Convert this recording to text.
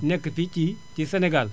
nekk fii ci ci Sénégal